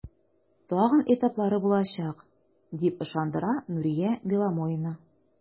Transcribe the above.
Тагын этаплары булачак, дип ышандыра Нурия Беломоина.